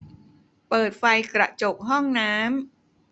เปิดไฟกระจกห้องน้ำ